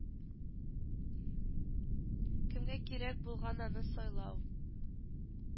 Кемгә кирәк булган аны сайлау